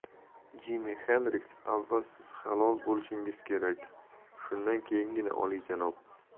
jimi xendrix avval siz halol bo'lishingiz kerak shundan keyingina olijanob